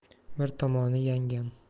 bir tomoni yangam